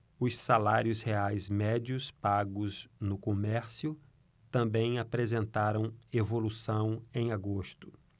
os salários reais médios pagos no comércio também apresentaram evolução em agosto